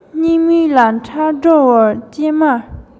སྙིང མེད ལ འཕྲང སྒྲོལ བའི སྐྱེལ མ